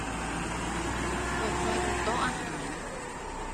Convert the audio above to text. เปิดไฟบนโต๊ะอาหาร